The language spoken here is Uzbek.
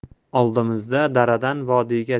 oldimizda daradan vodiyga